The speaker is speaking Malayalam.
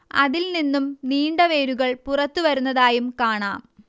അതിൽ നിന്നും നീണ്ട വേരുകൾ പുറത്തു വരുന്നതായും കാണാം